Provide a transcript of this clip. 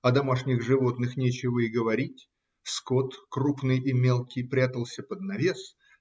О домашних животных нечего и говорить: скот крупный и мелкий прятался под навес